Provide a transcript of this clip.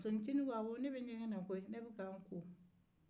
musonin cninin ko awɔ ne be ɲɛgɛn na ne bɛka n ko